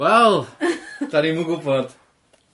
Wel, 'dan ni'm yn gwbod.